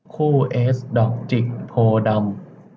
คู่เอซดอกจิกโพธิ์ดำ